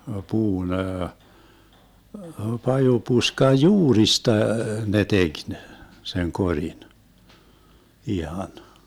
puun - pajupuskan juurista ne teki ne sen korin ihan